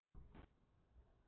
ཕྱོགས སྟོན གྱི འཁོར ལོ བཅས སོ